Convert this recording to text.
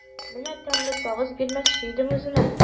Менә тәмле сагыз бирмәкче идем үзеңә.